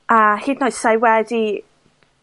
a hyd yn oed sa 'i wedi